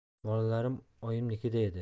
bolalarim oyimnikida edi